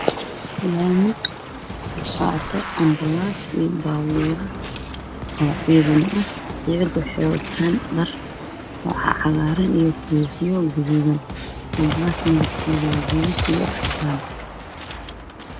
Waa baabuur ambulance ah oo midabkiisii cadaan waxaan hortaagan nin wata sual madow ah iyo shati caddeys ah